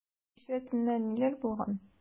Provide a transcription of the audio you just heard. Кичә төнлә ниләр булган?